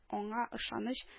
Аңа ышаныч